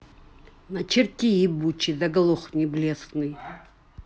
начерти ебучий заглохни блесны